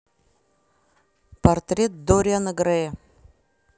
портрет дориана грея